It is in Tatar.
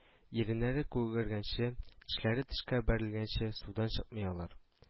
Иреннәре күгәргәнче, тешләре тешкә бәрелгәнче судан чыкмый алар